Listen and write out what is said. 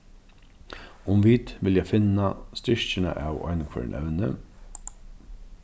um vit vilja finna styrkina av einhvørjum evni